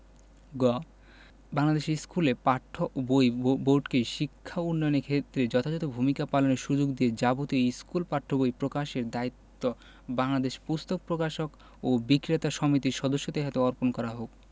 গ বাংলাদেশের স্কুলে পাঠ্য বই বোর্ডকে শিক্ষা উন্নয়নের ক্ষেত্রে যথাযথ ভূমিকা পালনের সুযোগ দিয়ে যাবতীয় স্কুল পাঠ্য বই প্রকাশের দায়িত্ব বাংলাদেশ পুস্তক প্রকাশক ও বিক্রেতা সমিতির সদস্যদের হাতে অর্পণ করা হোক